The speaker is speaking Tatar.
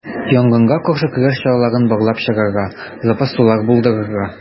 Янгынга каршы көрәш чараларын барлап чыгарга, запас сулар булдырырга.